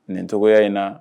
Nin tɔgɔgoya in na